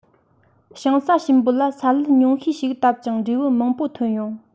ཞིང ས གཤིན པོ ལ ས ལུད ཉུང ཤས ཤིག བཏབ ཀྱང འབྲས བུ མང པོ ཐོན ཡོང